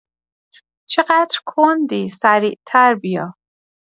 چقدر کندی سریع‌تر بیا